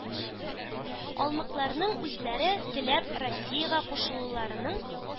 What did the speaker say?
Калмыкларның үзләре теләп Россиягә кушылуларының